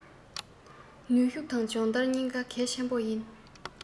ནུས ཤུག དང སྦྱོང ལྟར གཉིས ཀ གལ ཆེན པོ ཡིན